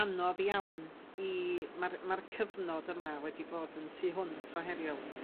anodd iawn i... Ma'r ma'r cyfnod yma wedi bod yn tu hwnt o heriol.